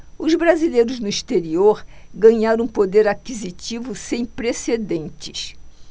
os brasileiros no exterior ganharam um poder aquisitivo sem precedentes